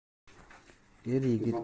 er yigit ko'p